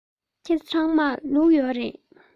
ཁྱེད ཚོ ཚང མར ལུག ཡོད རེད